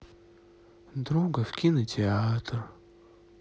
друга в кинотеатр